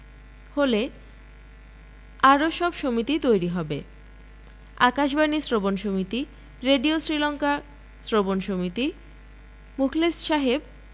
হলে আরো সব সমিতি তৈরি হবে আকাশবাণী শ্রবণ সমিতি রেডিও শীলংকা শ্রবণ সমিতি মুখলেস সাহেব